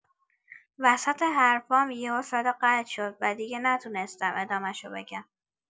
وسط حرفام یهو صدا قطع شد و دیگه نتونستم ادامشو بگم.